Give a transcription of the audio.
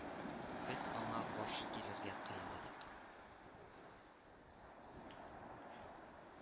— без аңа каршы килергә кыймадык